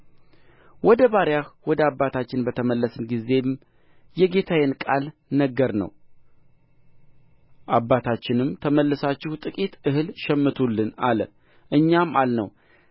ወደ ባርያህ ወደ አባታችን በተመለስን ጊዜም የጌታዬን ቃል ነገርነው አባታችንም ተመልሳችሁ ጥቂት እህል ሸምቱልን አለ እኛም አልነው